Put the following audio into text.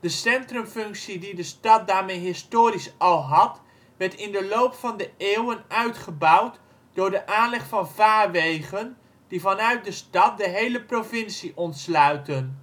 centrumfunctie die de stad daarmee historisch al had werd in de loop van de eeuwen uitgebouwd door de aanleg van (vaar) wegen die vanuit de stad de hele provincie ontsluiten